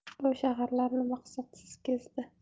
u shaharlarni maqsadsiz kezdi